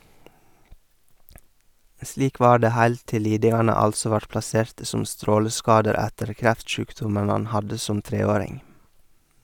Slik var det heilt til lidingane altså vart plasserte som stråleskader etter kreftsjukdommen han hadde som treåring.